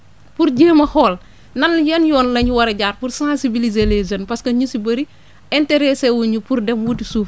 pour jéem a xool nan la yan yoon la ñu war a jaar pour sensibiliser les jeunes parce que ñu si bëri intéressé wu ñu pour dem wuti suuf